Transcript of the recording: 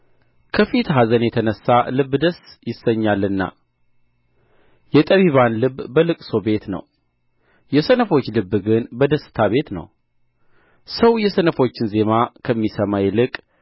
ከፊት ኀዘን የተነሣ ልብ ደስ ይሰኛልና የጠቢባን ልብ በልቅሶ ቤት ነው የሰነፎች ልብ ግን በደስታ ቤት ነው ሰው የሰነፎችን ዜማ ከሚሰማ ይልቅ